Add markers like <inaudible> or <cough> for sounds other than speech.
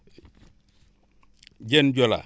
<smacks lips> Diène joolaa